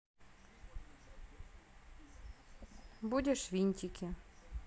будешь винтики